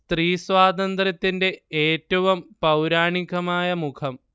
സ്ത്രീ സ്വാതന്ത്ര്യത്തിന്റെ ഏറ്റവും പൗരാണികമായ മുഖം